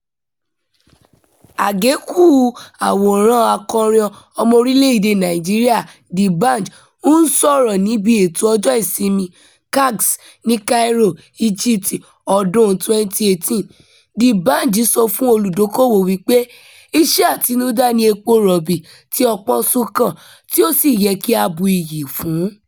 Àgékù àwòrán ọ̀kọrin ọmọ orílẹ̀-èdèe Nàìjíríà D'banj ń sọ̀rọ̀ níbi ètò Ọjọ́ Ìsinmi CAX ní Cairo, Egypt, ọdún-un 2018. Dbanj sọ fún olùdókoòwò wípé “iṣẹ́ àtinúdá ni epo rọ̀bì tí ọpọ́n sún kàn” tí ó sì yẹ kí a bu ìyìn fún.